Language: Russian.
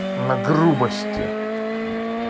на грубости